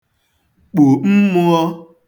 kpù mmụ̄ọ̄